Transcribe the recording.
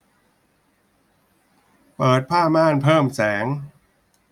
เปิดผ้าม่านเพิ่มแสง